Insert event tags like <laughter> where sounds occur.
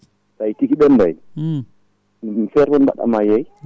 sa itti ko ɓendani <smacks lips> feere foof mbaɗɗa ma yeey